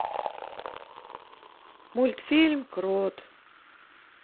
мультфильм крот